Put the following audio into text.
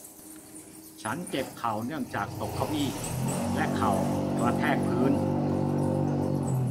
ฉันเจ็บเข่าเนื่องจากตกเก้าอี้และเข่ากระแทกพื้น